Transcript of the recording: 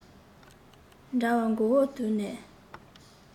འདྲ བར མགོ བོ དུད ནས